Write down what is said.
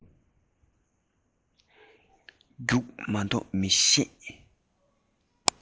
རྒྱུགས མ གཏོགས མི ཤེས